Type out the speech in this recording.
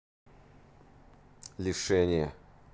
лишение